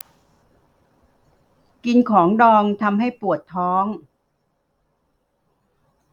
กินของดองทำให้ปวดท้อง